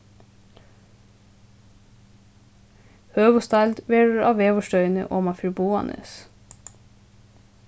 høvuðsdeild verður á veðurstøðini oman fyri boðanes